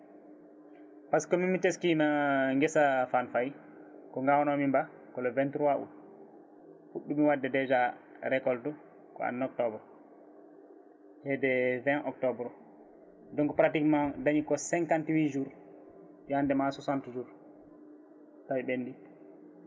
par ce que min mi teskima guesa Faan Faye ko gawnomi ba que le 23 Aôut puɗɗimi wadde déjà récolte ko en octobre hedde 20 octobre donc pratiquement dañi ko cinquante huit jours yahandema soixante jours tawi ɓendi